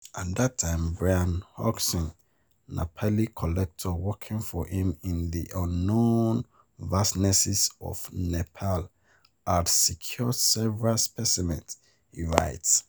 At that time Brian Hodgson’s Nepali collectors working for him in the unknown vastnesses of Nepal had secured several specimens, he writes.